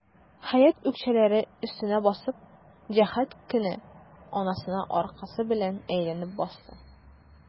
Хәят, үкчәләре өстенә басып, җәһәт кенә анасына аркасы белән әйләнеп басты.